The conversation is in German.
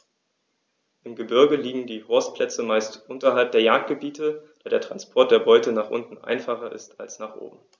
Im Gebirge liegen die Horstplätze meist unterhalb der Jagdgebiete, da der Transport der Beute nach unten einfacher ist als nach oben.